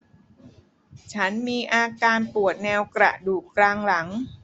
ฉันมีอาการปวดแนวกระดูกกลางหลัง